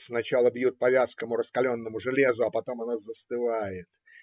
сначала бьют по вязкому, раскаленному железу, а потом оно застывает.